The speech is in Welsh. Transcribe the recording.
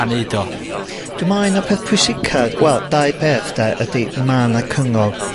a neud o? Dwi me'wl un o'r peth pwysica d-, wel dau peth 'de ydi ma' 'na cyngor